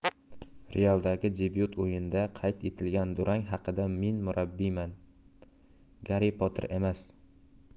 real dagi debyut o'yinida qayd etilgan durang haqidamen murabbiyman garri poter emas